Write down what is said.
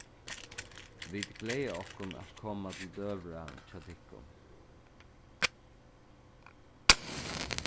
vit gleða okkum at koma til døgurða hjá tykkum